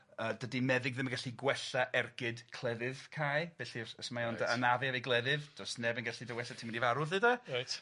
Yy dydy meddyg ddim yn gallu gwella ergyd clefydd Cai felly os os mae o'n de-... Reit. anafu efo'i gleddyf do's neb yn gallu dy wella ti'n mynd i farw 'lly de. Reit.